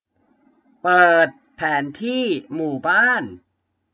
เปิดแผนที่หมู่บ้าน